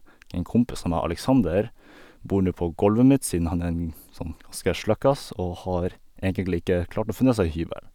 En kompis av meg, Aleksander, bor nå på golvet mitt siden han er en sånn ganske sløkkas og har egentlig ikke klart å funnet seg hybel.